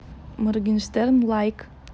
моргенштерн лайк